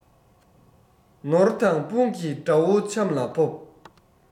ནོར དང དཔུང གིས དགྲ བོ ཆམ ལ ཕོབ